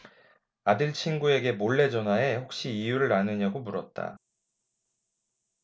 아들 친구에게 몰래 전화해 혹시 이유를 아느냐고 물었다